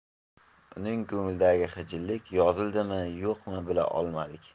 uning ko'nglidagi xijillik yozildimi yo'qmi bila olmadik